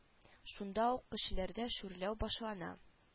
Шунда ук кешеләрдә шүрләү башлана